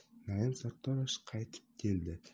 naim sartarosh qaytib keldi